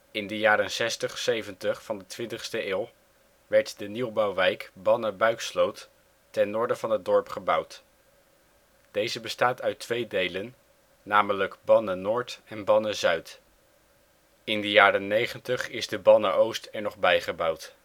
In de jaren zestig-zeventig van de 20e eeuw werd de nieuwbouwwijk Banne Buiksloot ten noorden van het dorp gebouwd. Deze bestaat uit twee delen, nl. Banne-Noord en Banne-Zuid. In de jaren negentig is de Banne-Oost er nog bijgebouwd